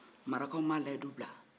marakaw ma layidu bila